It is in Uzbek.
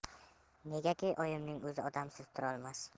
negaki oyimning o'zi odamsiz turolmas